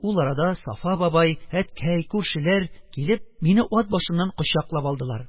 Ул арада Сафа бабай, әткәй, күршеләр, килеп, мине ат башыннан кочаклап алдылар,